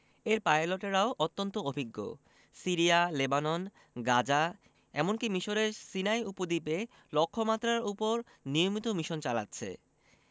এর পাইলটেরাও অত্যন্ত অভিজ্ঞ সিরিয়া লেবানন গাজা এমনকি মিসরের সিনাই উপদ্বীপে লক্ষ্যমাত্রার ওপর নিয়মিত মিশন চালাচ্ছে